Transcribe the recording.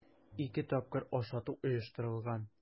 Ике тапкыр ашату оештырылган.